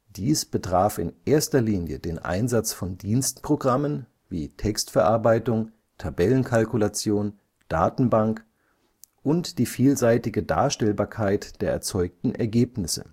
Dies betraf in erster Linie den Einsatz von Dienstprogrammen wie Textverarbeitung, Tabellenkalkulation, Datenbank und die vielseitige Darstellbarkeit der erzeugten Ergebnisse